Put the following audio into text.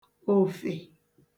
ofè